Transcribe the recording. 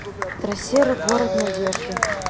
трассера город надежды